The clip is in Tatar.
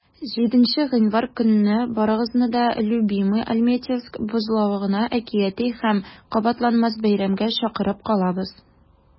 7 гыйнвар көнне барыгызны да "любимыйальметьевск" бозлавыгына әкияти һәм кабатланмас бәйрәмгә чакырып калабыз!